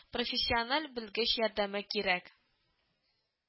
Профессиональ белгеч ярдәме кирәк